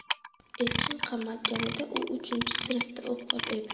elchin qamalganida u uchinchi sinfda o'qir edi